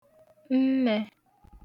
nnẹ̄